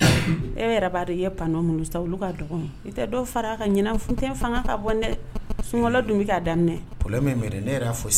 E bɛ yɛrɛri i ye pandɔ olu kaa tɛ dɔw fara' ka ɲinin funt fanga ka bɔ dɛ sunla dun bɛ'a daminɛinɛ plɛ min ne yɛrɛ'a fɔ